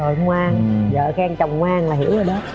rồi ngoan vợ khen chồng ngoan là hiểu rồi đó